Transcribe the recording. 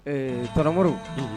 Ɛɛ tɔntɔn Modibo